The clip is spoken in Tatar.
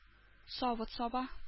Савыт-саба